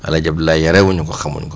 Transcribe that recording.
El Hadj Abdoulaye yaree wu ñu ko xamu ñu ko